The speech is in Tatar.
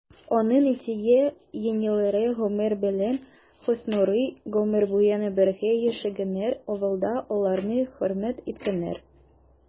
Аның әти-әниләре Гомәр белән Хөснурый гомер буена бергә яшәгәннәр, авылда аларны хөрмәт иткәннәр.